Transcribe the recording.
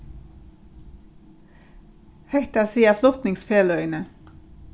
hetta siga flutningsfeløgini